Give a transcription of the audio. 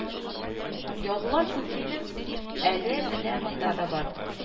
Язулар күп минем, әле менә монда да бар